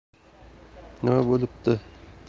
nima bo'libdi